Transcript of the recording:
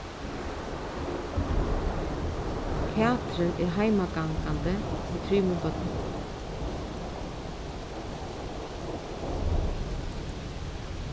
katrin er heimagangandi við trimum børnum